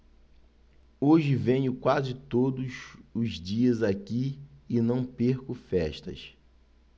hoje venho quase todos os dias aqui e não perco festas